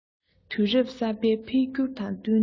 དུས རབ གསར པའི འཕེལ འགྱུར དང བསྟུན ནས